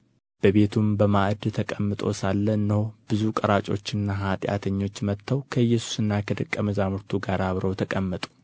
በቤቱም በማዕድ ተቀምጦ ሳለ እነሆ ብዙ ቀራጮችና ኃጢአተኞች መጥተው ከኢየሱስና ከደቀ መዛሙርቱ ጋር አብረው ተቀመጡ